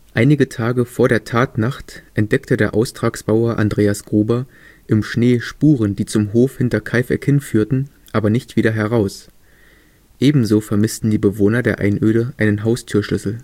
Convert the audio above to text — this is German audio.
Einige Tage vor der Tatnacht entdeckte der Austragsbauer Andreas Gruber im Schnee Spuren, die zum Hof Hinterkaifeck hinführten, aber nicht wieder heraus. Ebenso vermissten die Bewohner der Einöde einen Haustürschlüssel